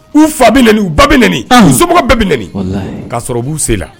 Uu fa bɛ n u ba bɛ n soɔgɔ bɛ bɛ n k ka sɔrɔ b'u sen la